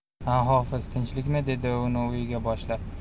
ha hofiz tinchlikmi dedi uni uyga boshlab